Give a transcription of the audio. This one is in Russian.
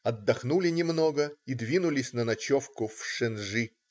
Отдохнули немного и двинулись на ночевку в Шенжи.